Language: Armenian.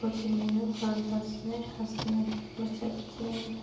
գոտիներով հարվածներ հասցնելով մրցակիցներին։